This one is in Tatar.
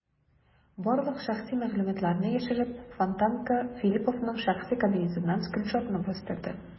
Барлык шәхси мәгълүматларны яшереп, "Фонтанка" Филипповның шәхси кабинетыннан скриншотны бастырды.